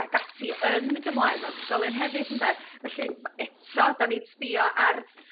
ac ati yn mynd ymlaen mewn ysgolion hefyd ynde? Felly ma' eto 'dan ni'd sbïo ar